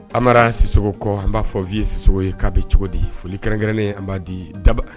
Amara Sisokɔ, an b'a fɔ wiye Sisɔkɔ k'a bɛ cogo di? Fɔli kɛrɛnnen an b'a di daba